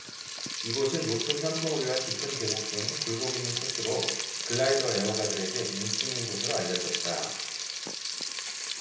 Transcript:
이곳은 높은 산봉우리와 깊은 계곡 등 굴곡 있는 코스로 글라이더 애호가들에게 인기 있는 곳으로 알려졌다